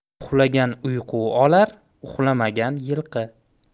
uxlagan uyqu olar uxlamagan yilqi